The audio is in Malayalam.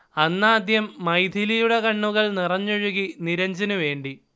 അന്നാദ്യം മൈഥിലിയുടെ കണ്ണുകൾ നിറഞ്ഞൊഴുകി നിരഞ്ജനു വേണ്ടി